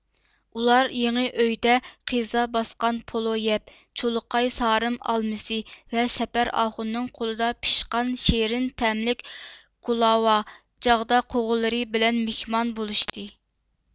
ئۇلار يېڭى ئۆيدە قىيزا باسقان پولۇ يەپ چۇلۇقاي سارىم ئالمىسى ۋە سەپەر ئاخۇننىڭ قولىدا پىشقان شېرىن تەملىك گۇلاۋا جاغدا قوغۇنلىرى بىلەن مېھمان بولۇشتى